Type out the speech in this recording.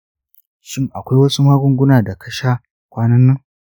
shin akwai wasu magunguna da ka sha kwanan nan